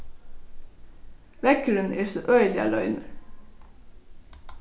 veggurin er so øgiliga reinur